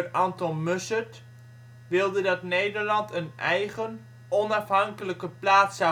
Anton Mussert) wilde dat Nederland een eigen, onafhankelijke plaats